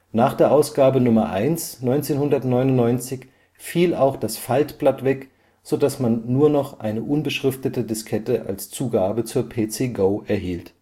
Nach der Ausgabe Nr. 1/1999 fiel auch das Faltblatt weg, so dass man nur noch eine unbeschriftete Diskette als Zugabe zur PCgo erhielt